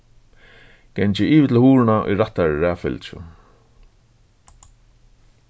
gangið yvir til hurðina í rættari raðfylgju